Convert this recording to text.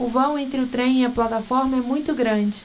o vão entre o trem e a plataforma é muito grande